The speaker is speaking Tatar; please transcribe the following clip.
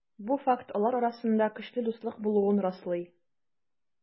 Бу факт алар арасында көчле дуслык булуын раслый.